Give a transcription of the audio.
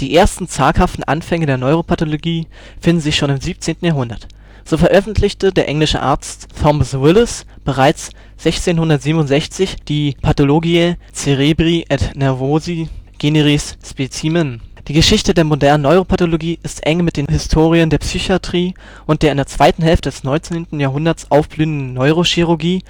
ersten, zaghaften Anfänge der Neuropathologie finden sich schon im 17. Jahrhundert, so veröffentlichte der englische Arzt Thomas Willis bereits 1667 die „ Pathologiae Cerebri et Nervosi Generis Specimen “. Die Geschichte der modernen Neuropathologie ist eng mit den Historien der Psychiatrie und der in der zweiten Hälfte des 19. Jahrhunderts aufblühenden Neurochirurgie